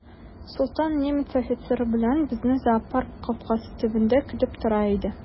Солтан немец офицеры белән безне зоопарк капкасы төбендә көтеп тора иде.